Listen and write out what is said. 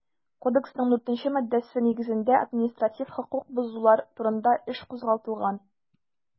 Кодексның 4 нче маддәсе нигезендә административ хокук бозулар турында эш кузгатылган.